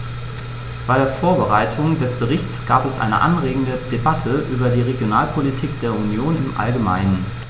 Bei der Vorbereitung des Berichts gab es eine anregende Debatte über die Regionalpolitik der Union im allgemeinen.